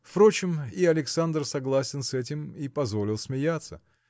Впрочем, и Александр согласен с этим и позволил смеяться.